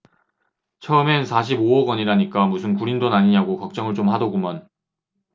처음엔 사십 오 억원이라니까 무슨 구린 돈 아니냐고 걱정을 좀 하더구먼